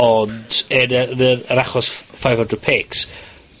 Ond en y yn yr achos ff- five hundred picks